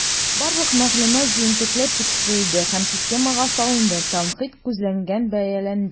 Барлык мәгълүмат җентекләп тикшерелде һәм системага салынды, тәнкыйть күзлегеннән бәяләнде.